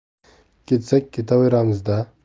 ketsak ketaveramizda